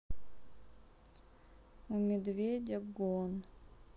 у медведя гон